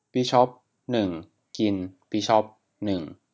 บืชอปหนึ่งกินบิชอปหนึ่ง